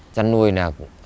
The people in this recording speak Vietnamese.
chăn nuôi là cũng